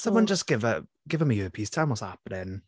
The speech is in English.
Someone just give her give 'em earpiece. Tell them what's happening.